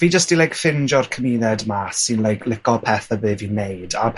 fi jyst 'di like ffindio'r cymuned 'ma sy'n like lico pethe be' fi'n neud a